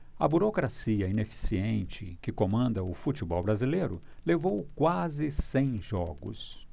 a burocracia ineficiente que comanda o futebol brasileiro levou quase cem jogos